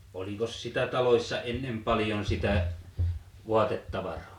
olikos sitä taloissa ennen paljon sitä vaatetavaraa